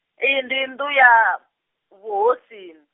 iyi ndi nnḓu ya, vhuhosini.